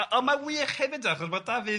Ond ma'n wych hefyd de achos ma' Dafydd,